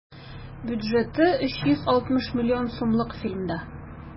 Бюджеты 360 миллион сумлык фильмда.